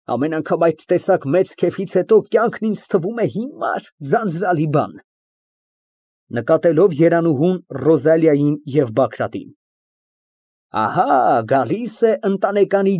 Ամեն անգամ այդ տեսակ մեծ քեֆից հետո կյանքն ինձ թվում է հիմար, ձանձրալի բան։ (Նկատելով Երանուհուն, Ռոզալիային և Բագրատին) Ահա գալիս է ընտանեկան։